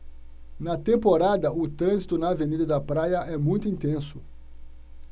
na temporada o trânsito na avenida da praia é muito intenso